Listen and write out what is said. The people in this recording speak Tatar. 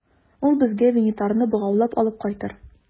Ул безгә Винитарны богаулап алып кайтыр.